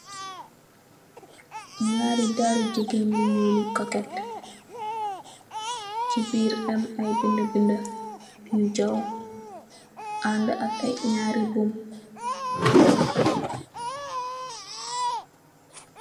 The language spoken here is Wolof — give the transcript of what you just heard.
Nyerri dalloup jegueen you nirro koket ci birr mougui ammeh aye bende ammeh aye reddou you bolla